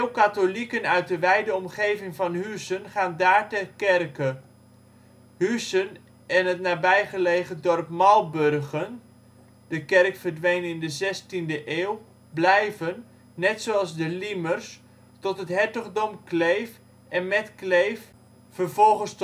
katholieken uit de wijde omgeving van Huissen gaan daar ter kerke. Huissen en het nabijgelegen dorp Malburgen (de kerk verdween in de zestiende eeuw) blijven - net zoals de Liemers - tot het Hertogdom Kleef en met Kleef vervolgens